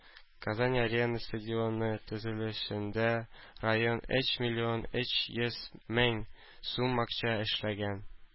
“казан-арена” стадионы төзелешендә район өч миллион өч йөз мең сум акча эшләгән.